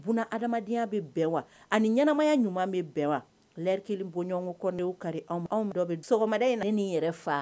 Bun Adamad ya bɛ bɛn wa ? A ni ɲɛnamaya ɲuman bɛ bɛn wa? l'heure kelen bɔnɲɔgɔn kɔ kari o kari anw dɔ bɛ sɔgɔmada in na, ne ni n yɛrɛ faa.